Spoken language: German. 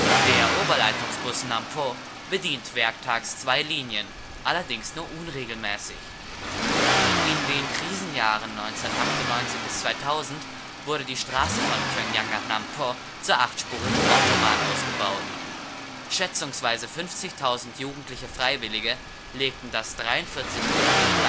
Der Oberleitungsbus Namp’ o bedient werktags zwei Linien, allerdings nur unregelmäßig. In den Krisenjahren 1998 bis 2000 wurde die Straße von Pjöngjang nach Namp’ o zur achtspurigen Autobahn ausgebaut. Schätzungsweise 50.000 jugendliche Freiwillige legten das 43 Kilometer